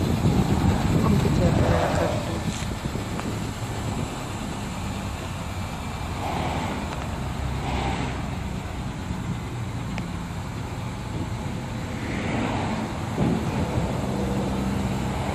Poomputeer buñg lak ak diiw.